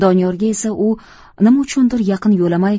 doniyorga esa u nima uchundir yaqin yo'lamay